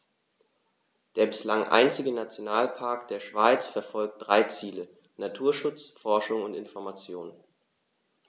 Der bislang einzige Nationalpark der Schweiz verfolgt drei Ziele: Naturschutz, Forschung und Information.